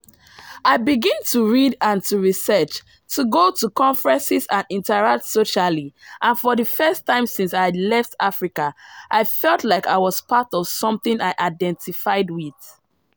I began to read and to research, to go to conferences and interact socially and for the first time since I left Africa, I felt like I was part of something I identified with.